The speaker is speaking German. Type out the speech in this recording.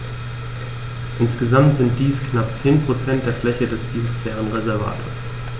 Insgesamt sind dies knapp 10 % der Fläche des Biosphärenreservates.